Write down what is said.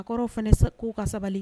A kɔrɔ fana se ko ka sabali